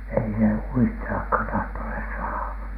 ei se uistillakaan tahtoneet saada